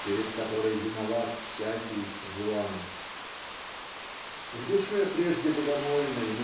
перед которой виноват всякий Жуан. В душе прежде богомольной